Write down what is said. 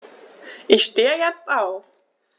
Ich stehe jetzt auf.